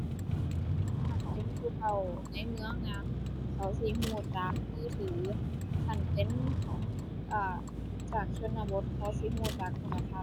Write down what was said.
คันเป็นผู้เฒ่าในเมืองนะ เขาสิรู้จากมือถือ คันเป็น เอ่อ จากชนบทเขาสิรู้จากโทรทัศน์